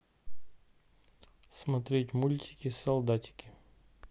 смотреть мультики солдатики